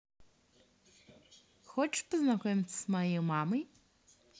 хочешь познакомиться с моей мамой